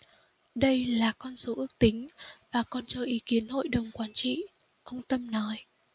đây là con số ước tính và còn chờ ý kiến hội đồng quản trị ông tâm nói